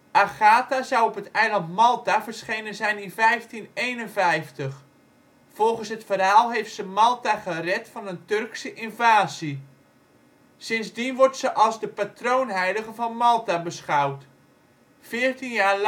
Agatha zou op het eiland Malta verschenen zijn in 1551. Volgens het verhaal heeft ze Malta gered van een Turkse invasie. Sindsdien wordt ze als de patroonheilige van Malta beschouwd. Veertien jaar